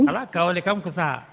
alea kawle kam ko sahaa